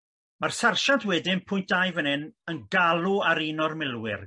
Ma'r sarsiant wedyn pwynt dau fan 'yn yn galw ar un o'r milwyr